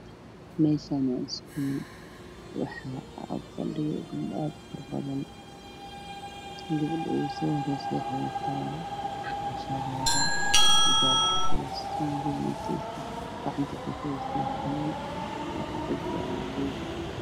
Meshani waa isguul waxaa jooga gabdho aad ubadan gabadha ugu soo horaysa wexey wadataa xijab cadees ah